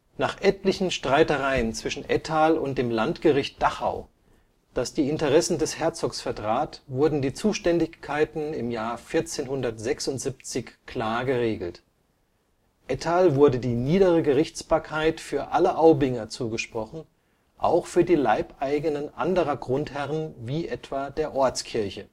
Nach etlichen Streitereien zwischen Ettal und dem Landgericht Dachau, das die Interessen des Herzogs vertrat, wurden die Zuständigkeiten 1476 klar geregelt: Ettal wurde die niedere Gerichtsbarkeit für alle Aubinger zugesprochen, auch für die Leibeigenen anderer Grundherren wie etwa der Ortskirche